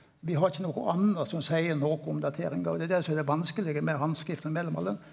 vi har ikkje noko anna som seier noko om dateringa og det er det som er det vanskelege med handskrift frå mellomalderen.